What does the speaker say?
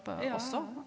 ja.